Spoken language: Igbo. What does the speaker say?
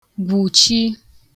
gwùchi